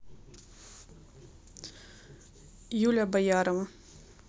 юля боярова